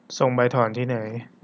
ส่งใบถอนที่ไหน